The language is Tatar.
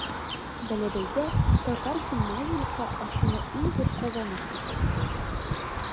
Бәләбәйдә татар гимназиясе ачуны иң зур казаныш дип атады ул.